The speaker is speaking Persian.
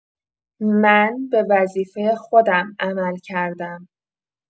من به وظیفه خودم عمل کردم.